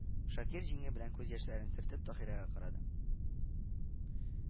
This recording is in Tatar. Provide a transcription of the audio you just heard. Шакир җиңе белән күз яшьләрен сөртеп Таһирәгә карады